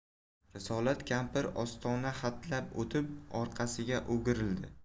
risolat kampir ostona hatlab o'tib orqasiga o'girildi